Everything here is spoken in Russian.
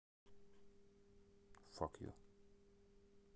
fuck you